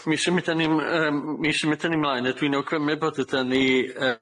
Mi symudan ni m- yym, m- mi symudan ni mlaen, a dwi'n awgrymu bod ydan ni yy